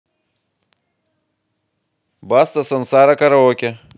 баста сансара караоке